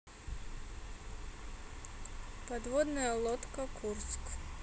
подводная лодка курск